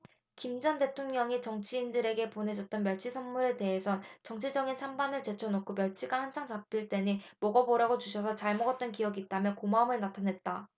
김 전 대통령이 정치인들에게 보내줬던 멸치 선물에 대해선 정치적인 찬반을 제쳐놓고 멸치가 한창 잡힐 때니 먹어보라고 주셔서 잘 먹었던 기억이 있다며 고마움을 나타냈다